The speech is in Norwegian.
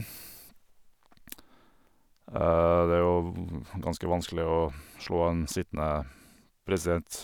Det er jo ganske vanskelig å slå en sittende president.